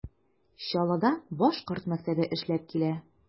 Чаллыда башкорт мәктәбе эшләп килә.